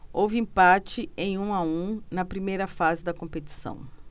houve empate em um a um na primeira fase da competição